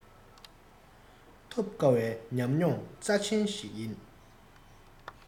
ཐོབ དཀའ བའི ཉམས མྱོང རྩ ཆེན ཞིག ཡིན